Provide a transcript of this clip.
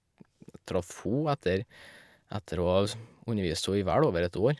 Traff ho etter etter å ha sm undervist ho i vel over et år.